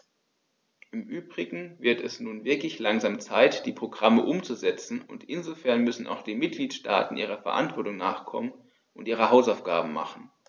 Im übrigen wird es nun wirklich langsam Zeit, die Programme umzusetzen, und insofern müssen auch die Mitgliedstaaten ihrer Verantwortung nachkommen und ihre Hausaufgaben machen.